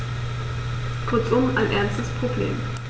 Kurzum, ein ernstes Problem.